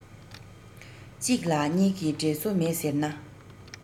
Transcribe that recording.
གཅིག ལ གཉིས ཀྱི འབྲེལ སོ མེད ཟེར ན